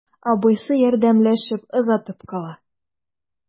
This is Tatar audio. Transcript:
Абыйсы ярдәмләшеп озатып кала.